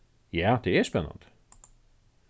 ja tað er spennandi